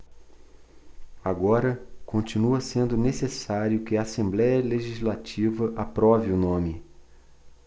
agora continua sendo necessário que a assembléia legislativa aprove o nome